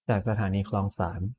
จากสถานีคลองสาน